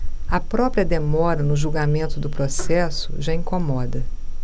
a própria demora no julgamento do processo já incomoda